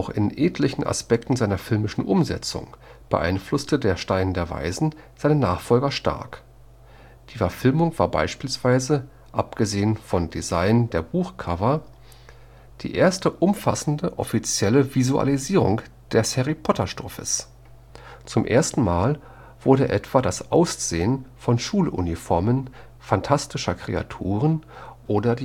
in etlichen Aspekten seiner filmischen Umsetzung beeinflusste der Der Stein der Weisen seine Nachfolger stark. Die Verfilmung war beispielsweise – abgesehen vom Design der Buchcover – die erste umfassende offizielle Visualisierung des Harry-Potter-Stoffes. Zum ersten Mal wurde etwa das Aussehen von Schuluniformen, fantastischen Kreaturen oder